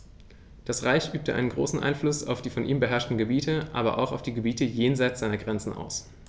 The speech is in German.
Das Reich übte einen großen Einfluss auf die von ihm beherrschten Gebiete, aber auch auf die Gebiete jenseits seiner Grenzen aus.